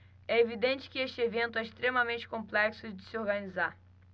é evidente que este evento é extremamente complexo de se organizar